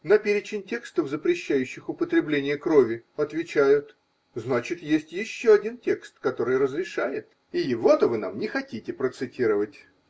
На перечень текстов, запрещающих употребление крови, отвечают: значит, есть еще один текст, который разрешает, и его-то вы нам не хотите процитировать.